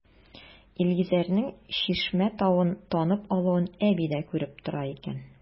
Илгизәрнең Чишмә тавын танып алуын әби дә күреп тора икән.